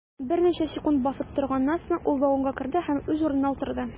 Берничә секунд басып торганнан соң, ул вагонга керде һәм үз урынына утырды.